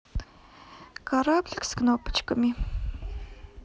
кораблик с кнопочками